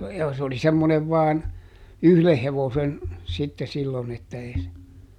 ja se oli semmoinen vain yhden hevosen sitten silloin että ei se